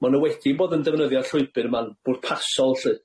ma' nw wedi bod yn defnyddio'r llwybyr yma'n bwrpasol lly,